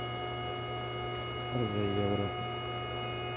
а за евро